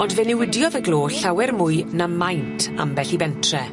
Ond fe newidiodd y glo llawer mwy na maint ambell i bentre.